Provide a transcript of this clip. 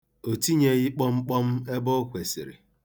O tinyeghị kpọmkpọm ebe o kwesịrị.